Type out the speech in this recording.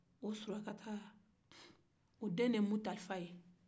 o sulakata o den de ye muntalifa ye